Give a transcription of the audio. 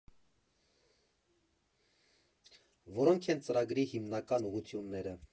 Որո՞նք են ծրագրի հիմնական ուղղությունները։